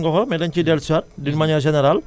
dëgg la donc waxoon nga ko mais da nga ciy